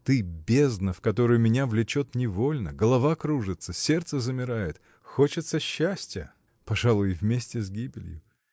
Ты — бездна, в которую меня влечет невольно: голова кружится, сердце замирает — хочется счастья — пожалуй, вместе с гибелью.